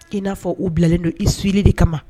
I n'a fɔ u bilalen don i suli de kama